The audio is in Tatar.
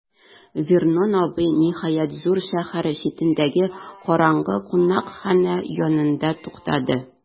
Вернон абый, ниһаять, зур шәһәр читендәге караңгы кунакханә янында туктады.